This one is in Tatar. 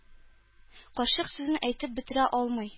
Карчык сүзен әйтеп бетерә алмый.